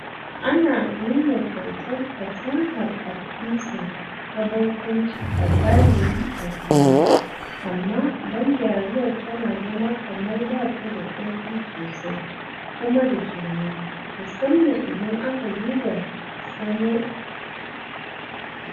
Ana nuna kyautar fasahar Atkinson ta barkwanci a zahiri a fili, amma ban dariyar tana zama kamar ba ta da ƙarfi sosai kuma da shirme, musamman idan aka duba sanannun fina-finai "da ba wasa" irin su nau'ukan 007 da Mission Impossible su da kansu suna yanzu da ƙarfin gwiwa samar da barkwanci a matsayin ɗanɗanonsu.